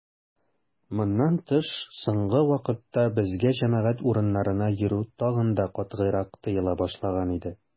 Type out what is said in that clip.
Моннан тыш, соңгы вакытта безгә җәмәгать урыннарына йөрү тагын да катгыйрак тыела башлаган иде.